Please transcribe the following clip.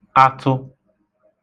atụ